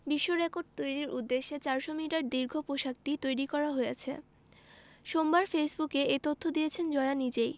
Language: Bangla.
বিশ্বরেকর্ড তৈরির উদ্দেশ্যে ৪০০ মিটার দীর্ঘ পোশাকটি তৈরি করা হয়েছে সোমবার ফেসবুকে এ তথ্য দিয়েছেন জয়া নিজেই